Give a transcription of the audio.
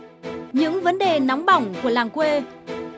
những vấn đề nóng bỏng của làng quê